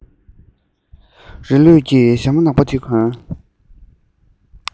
རྗེས ལུས ཀྱི ཞྭ མོ ནག པོ དེ གྱོན